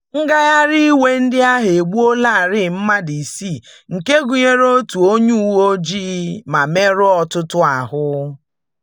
Ngagharị iwe ndị ahụ egbuolarịị mmadị isii, nke gunyere otu onye uwe ojii , ma merụọ ọtụtụ ahụ.